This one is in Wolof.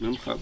même xaal